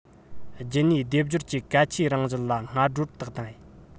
རྒྱུད གཉིས སྡེབ སྦྱོར གྱི གལ ཆེའི རང བཞིན ལ སྔར སྒྲོ བཏགས ཏེ ཐལ དྲག དུ བཏང ཡོད